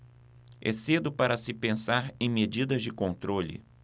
é cedo para se pensar em medidas de controle